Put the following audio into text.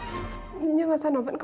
nhưng mà sao nó vẫn